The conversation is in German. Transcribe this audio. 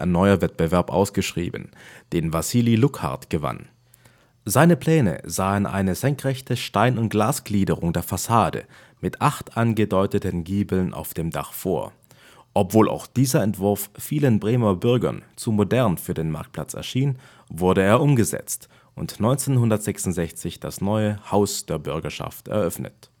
neuer Wettbewerb ausgeschrieben, den Wassili Luckhard gewann. Seine Pläne sahen eine senkrechte Stein - und Glasgliederung der Fassade mit acht angedeuteten Giebeln auf dem Dach vor. Obwohl auch dieser Entwurf vielen Bremer Bürgern zu modern für den Marktplatz erschien, wurde er umgesetzt und 1966 das neue Haus der Bürgerschaft eröffnet